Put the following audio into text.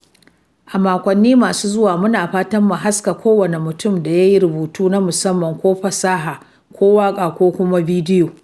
A makwanni masu zuwa, muna fatan mu haska kowane mutum da ya yi rubutu na musamman ko fasaha ko waƙa ko kuma bidiyo.